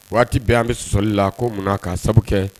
Waati bɛ an bɛ sɔsɔli la ko munna ka sabu kɛ